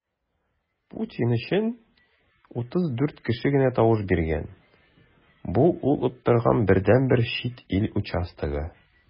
Путин өчен 34 кеше генә тавыш биргән - бу ул оттырган бердәнбер чит ил участогы.